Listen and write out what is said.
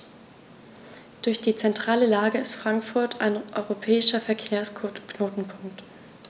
Durch die zentrale Lage ist Frankfurt ein europäischer Verkehrsknotenpunkt.